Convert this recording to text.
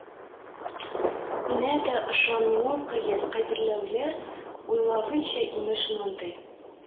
Нә дә ышануы кыен, кайберәүләр уйлавынча, имеш, мондый